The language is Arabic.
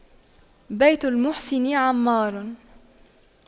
بيت المحسن عمار